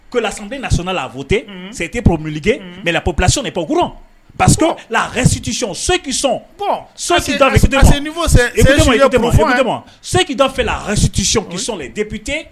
Ko la nasla lafo tɛ seyi tɛpbilili kɛ mɛ lap bilasi dekkura parce lasiti sokisɔnda fɔ soki dɔ fɛ lahasiticsɔnpte